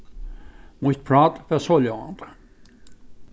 mítt prát var soljóðandi